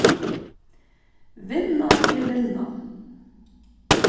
vinna er vinna